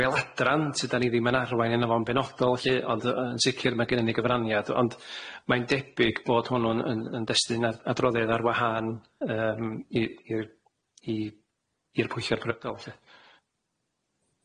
fel adran sydan ni ddim yn arwain yno fo'n benodol lly ond yy yn sicir ma' gennon ni gyfraniad ond mae'n debyg bod hwnnw'n yn yn destyn ar- adroddiad ar wahân yym i i'r i i'r pwysie'r berybdol lly.